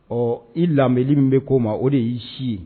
Ɔ i lam min bɛ k'o ma o de y'i si ye